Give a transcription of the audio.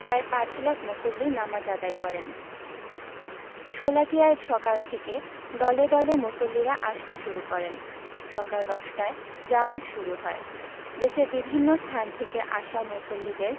প্রায় পাঁচ লাখ মুসল্লি নামাজ আদায় করেন শোলাকিয়ায় সকাল থেকে দলে দলে মুসল্লিরা আসতে শুরু করেন সকাল ১০টায় জামাত শুরু হয় দেশের বিভিন্ন স্থান থেকে আসা মুসল্লিদের